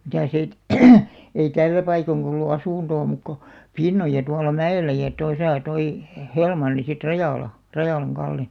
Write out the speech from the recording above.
mitäs ei ei tällä paikoin ollut asuntoa muuta kuin Pinnoja tuolla mäellä ja tuossa tuo - Helmanni sitten Rajala Rajalan Kalle